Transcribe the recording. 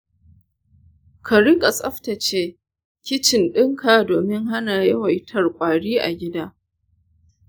ka riƙa tsaftace kicin ɗinka domin hana yawaitar kwari a gida.